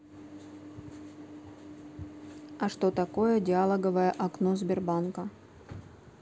а что такое диалоговое окно сбербанка